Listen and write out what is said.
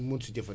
waa